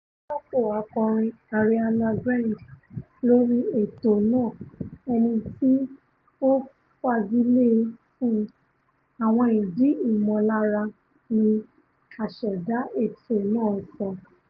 Ó ń rọ́pò akọrin Ariana Grande lórí ètò náà ẹniti ó fagilé e fún ''àwọn ìdí ìmọ̀lára,'' ni aṣẹ̀dá ètò náà sọ.